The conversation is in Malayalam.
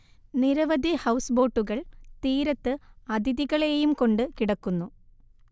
നിരവധി ഹൗസ് ബോട്ടുകൾ തീരത്ത് അതിഥികളെയും കൊണ്ട് കിടക്കുന്നു